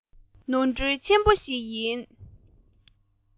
ནོར འཁྲུལ ཆེན པོ ཞིག ཡིན